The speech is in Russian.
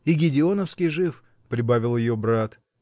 -- И Гедеоновский жив, -- прибавил ее брат.